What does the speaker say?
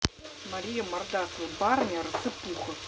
мария мордасова барыня рассыпуха